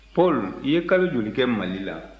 paul i ye kalo joli kɛ mali la